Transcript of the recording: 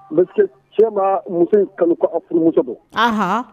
Bilisi cɛba muso in kanu a furumuso don